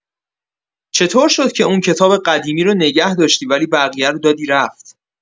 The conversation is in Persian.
چطور شد که اون کتاب قدیمی رو نگه داشتی ولی بقیه رو دادی رفت؟